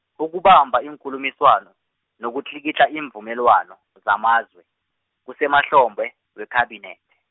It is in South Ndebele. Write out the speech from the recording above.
ukubamba iinkulumiswano, nokutlikitla iimvumelwano, zamazwe, kusemahlombe, weKhabinethe.